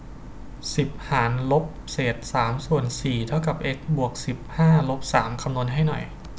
สิบหารลบเศษสามส่วนสี่เท่ากับเอ็กซ์บวกสิบห้าลบสามคำนวณให้หน่อย